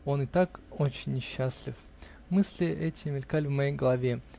Он и так очень несчастлив!" Мысли эти мелькали в моей голове